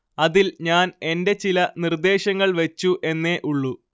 അതില്‍ ഞാന്‍ എന്റെ ചില നിര്‍ദ്ദേശങ്ങള്‍ വച്ചുവെന്നേ ഉള്ളൂ